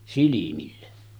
silmille